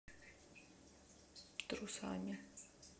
трусами